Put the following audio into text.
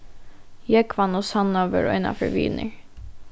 jógvan og sanna vóru einaferð vinir